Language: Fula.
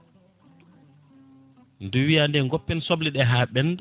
nde wiiya nde goppen sobleɗe ha ɓenda